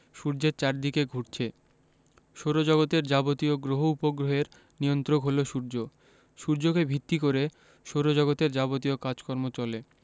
সূর্যের চারদিকে ঘুরছে সৌরজগতের যাবতীয় গ্রহ উপগ্রহের নিয়ন্ত্রক হলো সূর্য সূর্যকে ভিত্তি করে সৌরজগতের যাবতীয় কাজকর্ম চলে